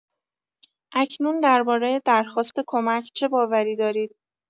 اکنون درباره درخواست کمک چه باوری دارید؟